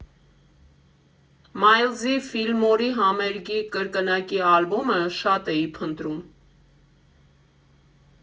Մայլզի՝ Ֆիլմորի համերգի կրկնակի ալբոմը շատ էի փնտրում։